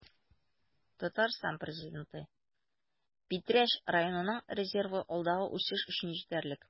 Татарстан Президенты: Питрәч районының резервы алдагы үсеш өчен җитәрлек